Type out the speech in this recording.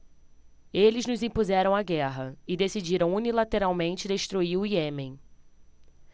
eles nos impuseram a guerra e decidiram unilateralmente destruir o iêmen